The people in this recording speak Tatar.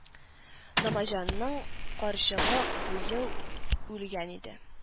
Намаҗанның карчыгы бу ел үлгән иде